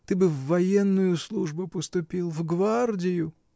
Ты бы в военную службу поступил, в гвардию.